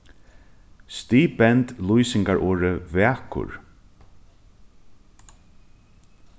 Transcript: stigbend lýsingarorðið vakur